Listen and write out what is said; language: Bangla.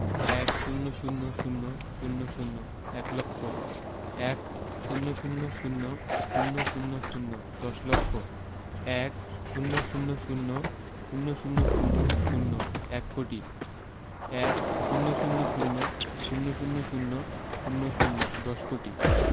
১০০০০০ এক লক্ষ ১০০০০০০ দশ লক্ষ ১০০০০০০০ এক কোটি ১০০০০০০০০ দশ কোটি